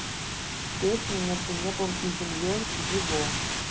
песня между небом и землей его